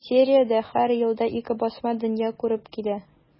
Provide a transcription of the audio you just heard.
Бу сериядә һәр елда ике басма дөнья күреп килә.